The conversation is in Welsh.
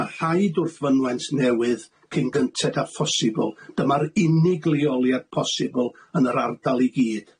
Ma' rhaid wrth fynwent newydd cyn gynted â phosibl dyma'r unig leoliad posibl yn yr ardal i gyd.